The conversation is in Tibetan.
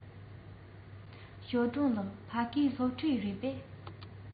ཞའོ ཧྥུང ལགས ཕ གི སློབ ཕྲུག རེད པས